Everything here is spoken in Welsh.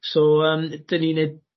so yym 'dyn ni neud